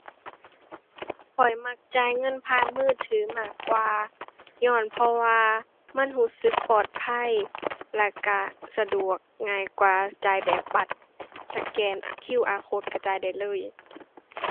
ข้อยมักจ่ายเงินผ่านมือถือมากกว่า ญ้อนเพราะว่ามันรู้สึกปลอดภัยแล้วรู้สะดวก ง่ายกว่าจ่ายแบบบัตร สแกน QR code รู้จ่ายได้เลย